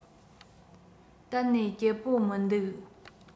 གཏན ནས སྐྱིད པོ མི འདུག